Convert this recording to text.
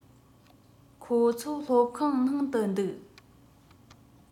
ཁོ ཚོ སློབ ཁང ནང དུ འདུག